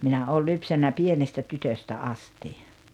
minä olen lypsänyt pienestä tytöstä asti